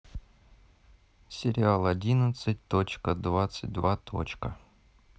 сериал одиннадцать точка двадцать два точка